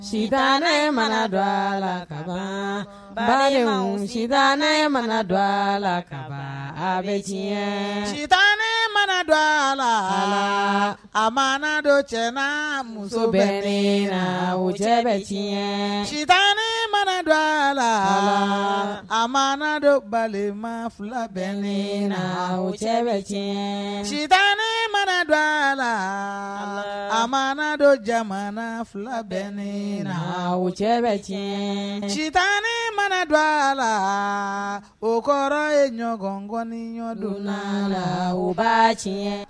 Suta ne mana dɔ a la ka ba si ne mana dɔ a la ka bɛɲɛ sita ne mana dɔ a la a ma dɔ cɛ muso bɛ ne wo cɛ bɛ sita ne mana dɔ a la a mana dɔ balima fila bɛ ne wo cɛ bɛ tiɲɛ sita ne mana dɔ a la a ma dɔ jamana fila bɛ ne wo cɛ bɛ tiɲɛ ci ne mana dɔ a la o kɔrɔ ye ɲɔgɔnkɔni ɲɔgɔndon la la ba tiɲɛ